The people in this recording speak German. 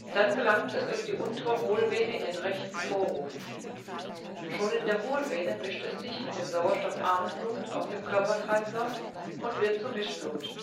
Dann gelangt es durch die untere Hohlvene in den rechten Vorhof. Schon in der Hohlvene mischt es sich mit dem sauerstoffarmen Blut aus dem Körperkreislauf und wird zu Mischblut